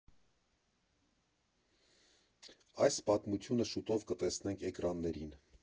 Այս պատմությունը շուտով կտեսնենք էկրաններին։